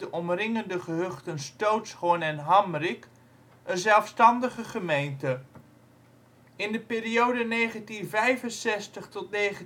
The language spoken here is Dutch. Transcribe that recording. omringende gehuchten Stootshorn en Hamrik een zelfstandige gemeente. In de periode 1965 tot 1989